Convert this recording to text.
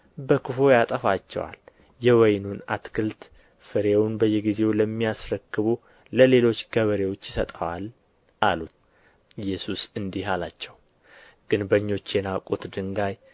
በክፉ ያጠፋቸዋል የወይኑንም አትክልት ፍሬውን በየጊዜው ለሚያስረክቡ ለሌሎች ገበሬዎች ይሰጠዋል አሉት ኢየሱስ እንዲህ አላቸው ግንበኞች የናቁት ድንጋይ